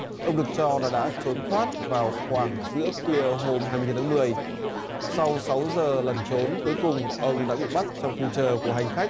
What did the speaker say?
ông được cho là đã trốn thoát vào khoảng giữa khuya hôm hai mươi nhăm tháng mười sau sáu giờ lẩn trốn cuối cùng ông đã bị bắt trong khu chờ của hành khách